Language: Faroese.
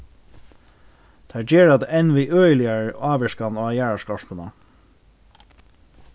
tær gera tað enn við øgiligari ávirkan á jarðarskorpuna